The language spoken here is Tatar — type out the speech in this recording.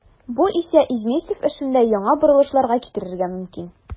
Бу исә Изместьев эшендә яңа борылышларга китерергә мөмкин.